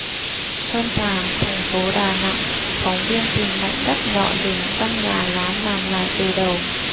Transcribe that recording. sơn trà thành phố đà nẵng phóng viên tìm mảnh đất nhỏ dựng căn nhà lá làm lại từ đầu